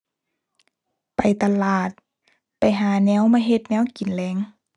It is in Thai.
ไปตลาด ไปหาแนวมาเฮ็ดแนวกินแลง